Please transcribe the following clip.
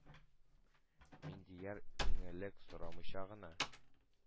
Миндияр, иң элек, сорамыйча гына,